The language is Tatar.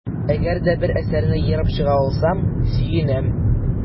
Әгәр дә бер әсәрне ерып чыга алсам, сөенәм.